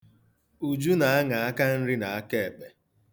Uju na-aṅa aka nri na aka ekpe.